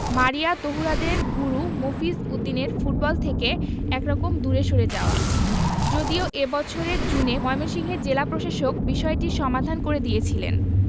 মারিয়া তহুরাদের গুরু মফিজ উদ্দিনের ফুটবল থেকে একরকম দূরে সরে যাওয়া যদিও এ বছরের জুনে ময়মনসিংহের জেলা প্রশাসক বিষয়টির সমাধান করে দিয়েছিলেন